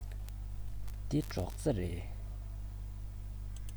འདི སྒྲོག རྩེ རེད